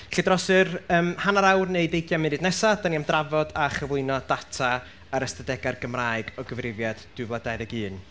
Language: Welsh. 'lly dros yr yym hanner awr neu ddeugain munud nesa, dan ni am drafod a chyflwyno data ar ystadegau'r Gymraeg o gyfrifiad dwy fil ac dau ddeg un.